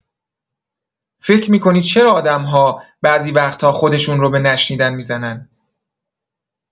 فکر می‌کنی چرا آدم‌ها بعضی وقتا خودشون رو به نشنیدن می‌زنن؟